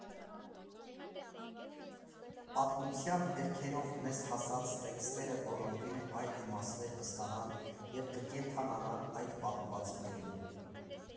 Պատմության գրքերով մեզ հասած տեքստերը բոլորովին այլ իմաստներ կստանան և կկենդանանան այդ պատմվածքներում։